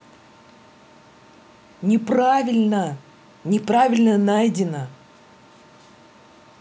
неправильно неправильно найдено